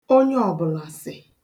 onye ọ̀bụ̀làsị̀